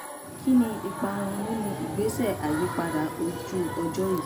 Kínni ipa wọn nínú ìgbésẹ̀ àyípadà ojú-ọjọ́ yìí?